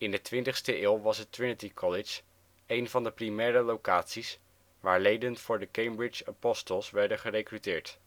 de 20e eeuw was het Trinity College een van de primaire locaties waar leden voor de Cambridge Apostles werden gerekruteerd